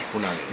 funnangue